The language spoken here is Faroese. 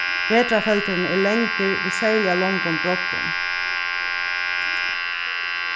vetrarfeldurin er langur við serliga longum broddum